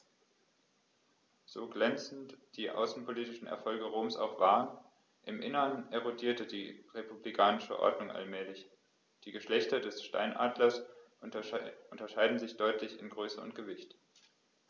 So glänzend die außenpolitischen Erfolge Roms auch waren: Im Inneren erodierte die republikanische Ordnung allmählich. Die Geschlechter des Steinadlers unterscheiden sich deutlich in Größe und Gewicht.